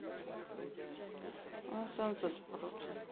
у нас солнце спрут